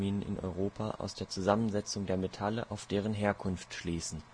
in Europa aus der Zusammensetzung der Metalle auf deren Herkunft schließen